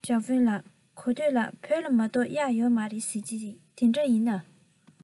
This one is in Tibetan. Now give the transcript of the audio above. ཞའོ ཧྥུང ལགས གོ ཐོས ལ བོད ལྗོངས མ གཏོགས གཡག ཡོད མ རེད ཟེར གྱིས དེ འདྲ ཡིན ན